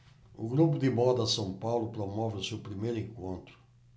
o grupo de moda são paulo promove o seu primeiro encontro